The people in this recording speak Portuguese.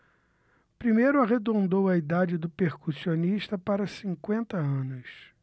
primeiro arredondou a idade do percussionista para cinquenta anos